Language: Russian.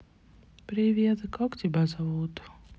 привет как тебя зовут